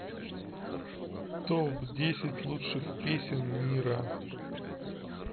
топ десять лучших песен мира